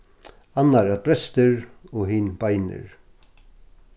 annar æt brestir og hin beinir